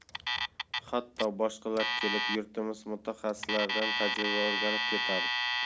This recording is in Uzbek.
hatto boshqalar kelib yurtimiz mutaxassislaridan tajriba o'rganib ketardi